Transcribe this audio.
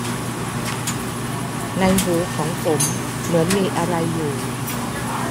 ในหูของผมเหมือนมีอะไรอยู่